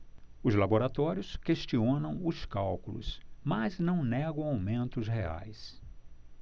os laboratórios questionam os cálculos mas não negam aumentos reais